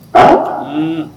Un h